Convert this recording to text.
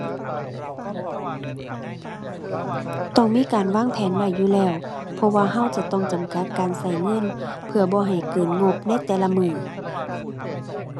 ต้องมีการวางแผนไว้อยู่แล้ว เพราะว่าเราจะต้องจำกัดการเราเงิน เพื่อบ่ให้เกินงบในแต่ละมื้อ